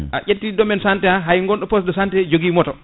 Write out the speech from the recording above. a ƴetti domain santé hay gonɗo poste de santé ne jogui moto